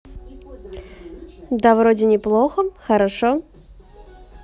да вроде неплохо хорошо